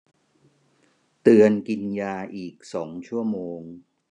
เตือนกินยาอีกสองชั่วโมง